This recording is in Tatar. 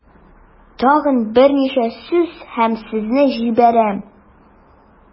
Тагын берничә сүз һәм сезне җибәрәм.